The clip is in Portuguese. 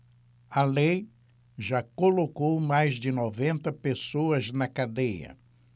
a lei já colocou mais de noventa pessoas na cadeia